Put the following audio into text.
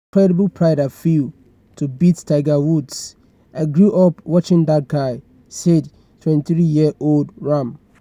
"The incredible pride I feel, to beat Tiger Woods, I grew up watching that guy," said 23-year-old Rahm.